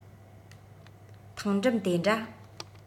ཐང འགྲམ དེ འདྲ